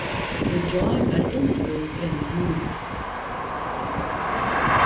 í gjár var innbrot í einum handli